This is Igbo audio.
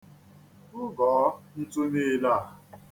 Kụgọọ ntu niile a.